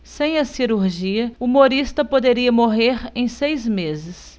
sem a cirurgia humorista poderia morrer em seis meses